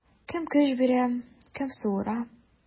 Кем көч бирә, кем суыра.